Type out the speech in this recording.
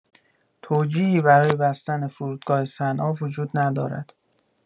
توجیهی برای بستن فرودگاه صنعا وجود ندارد.